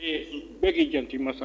Ee bɛɛ k'i janto i mansa